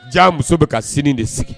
Jaa muso bɛ ka sini de sigi